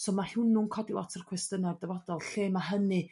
So ma' hwniw'n codi lot o'r cwestyna' i'r dyfodol lle ma' hynny?